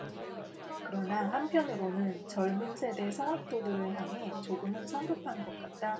그러나 한편으로는 젊은 세대 성악도들을 향해 조금은 성급한 것 같다